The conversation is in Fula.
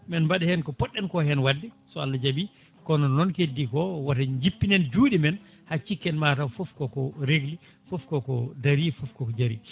men mbad hen ko poɗɗen ko hen wadde so Allah jaaɓi kono noon ko heddi ko woto jippinen juɗe men ha cikken mataw foof ko ko régle :i foof koko daari foof koko jaari